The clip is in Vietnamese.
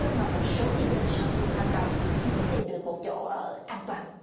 nơi mà một số chị dần sau nhiều năm ròng mới tìm được một chỗ ở an toàn